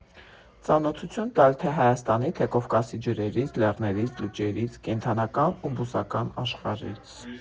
Ծանոթություն տալ թե Հայաստանի, թե Կովկասի ջրերից, լեռներից, լճերից, կենդանական ու բուսական աշխարհից…